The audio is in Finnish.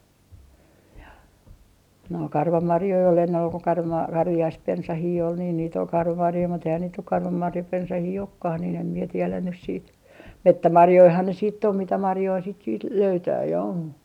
no karvamarjoja oli ennen oli kun - karviaispensaita oli niin niitä oli karvamarjoja mutta eihän niitä nyt karvamarjapensaita olekaan niin en minä tiedä nyt sitten metsämarjojahan ne sitten on mitä marjoja sitten sitten löytää ja on